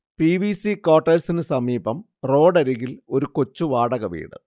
P. V. C ക്വാർട്ടേഴ്സിന് സമീപം റോഡരികിൽ ഒരു കൊച്ചുവാടകവീട്